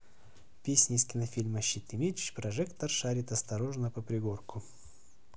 песня из кинофильма щит и меч прожектор шарит осторожно по пригорку